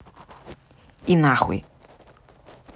и нахуй